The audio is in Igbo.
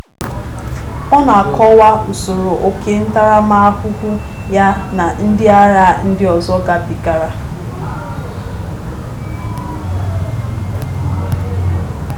Ọ na-akọwa usoro óké ntaramahụhụ ya na ndị agha ndị ọzọ gabigara: